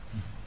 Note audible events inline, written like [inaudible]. [hesitation]